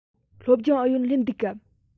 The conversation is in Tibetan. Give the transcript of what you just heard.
སློབ སྦྱོང ཨུ ཡོན སླེབས འདུག གམ